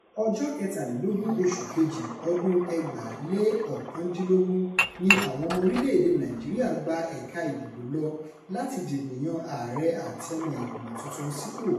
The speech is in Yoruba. Ọjọ́ 23, oṣù kejì ọdún-un 2019 ni àwọn ọmọ orílẹ̀-èdèe Nàìjíríà gba ẹ̀ka ìdìbò lọ láti dìbò yan ààrẹ àti ọmọ ìgbìmọ̀ tuntun sípò.